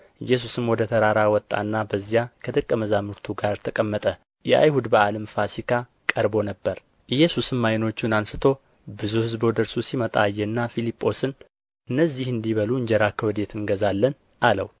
ኢየሱስም ወደ ተራራ ወጣና በዚያ ከደቀ መዛሙርቱ ጋር ተቀመጠ የአይሁድ በዓልም ፋሲካ ቀርቦ ነበር ኢየሱስም ዓይኖቹን አንሥቶ ብዙ ሕዝብ ወደ እርሱ ሲመጣ አየና ፊልጶስን እነዚህ እንዲበሉ እንጀራ ከወዴት እንገዛለን አለው